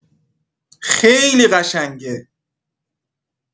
خیلی قشنگه!